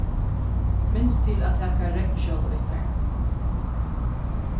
minst til at taka regnskjólið við tær